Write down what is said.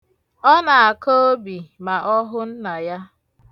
Ọ na-aka obi ma ọ hụ nna ya.